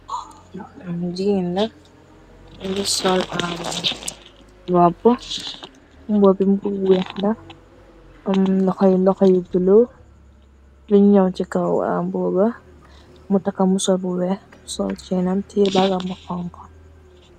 Jina ngi sol ar bopb mbobi mbuwenna, am loxoyu loxeyu bulëw, lu ñow ci kaw amboba, mu taka mu soruwe, sol cinam tiir bagamb xonk.